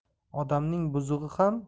odamning buzug'i ham